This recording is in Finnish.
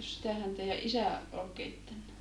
sitähän teidän isä oli keittänyt